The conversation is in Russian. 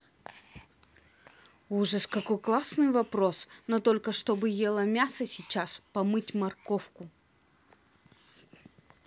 ужас какой классный вопрос но только чтобы ела мясо сейчас помыть морковку